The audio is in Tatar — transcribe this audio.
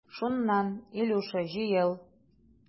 Шуннан, Илюша, җыел.